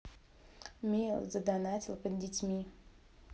miles задонатил под детьми